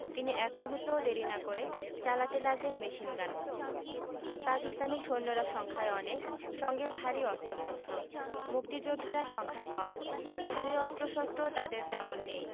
তিনি এক মুহূর্তও দেরি না করে চালাতে লাগলেন মেশিনগান পাকিস্তানি সৈন্যরা সংখ্যায় অনেক সঙ্গে ভারী অস্ত্রশস্ত্র মুক্তিযোদ্ধারা সংখ্যায় কম ভারী অস্ত্রশস্ত্র তাঁদের তেমন নেই